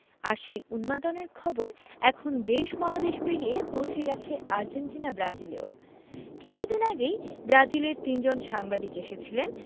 আর সেই উন্মাদনার খবর এখন দেশ মহাদেশ পেরিয়ে পৌঁছে গেছে আর্জেন্টিনা ব্রাজিলেও কিছুদিন আগেই ব্রাজিলের তিনজন সাংবাদিক এসেছিলেন